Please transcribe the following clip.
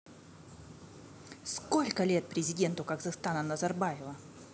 сколько лет президенту казахстана назарбаева